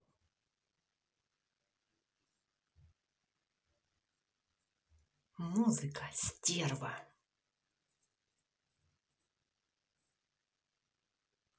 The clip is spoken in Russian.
музыка стерва